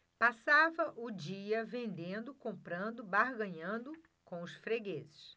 passava o dia vendendo comprando barganhando com os fregueses